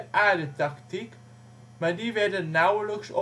aarde-tactiek, maar die werden nauwelijks